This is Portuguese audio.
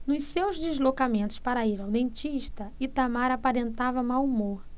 nos seus deslocamentos para ir ao dentista itamar aparentava mau humor